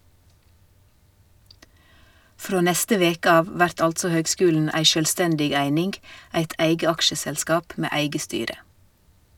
Frå neste veke av vert altså høgskulen ei sjølvstendig eining, eit eige aksjeselskap med eige styre.